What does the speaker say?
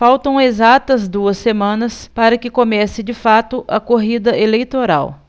faltam exatas duas semanas para que comece de fato a corrida eleitoral